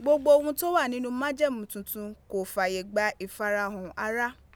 Gbogbo ohun ti o wa ninu Majemu Titun ko faye gba ifarahan ara